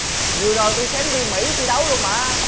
nhiều rồi tôi xém đi mĩ thi đấu luôn mà